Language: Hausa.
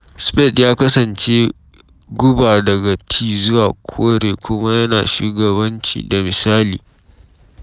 Spieth ya kasance guba daga tee zuwa kore kuma yana shugabanci da misali.